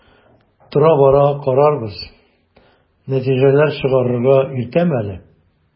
Тора-бара карарбыз, нәтиҗәләр чыгарырга иртәме әле?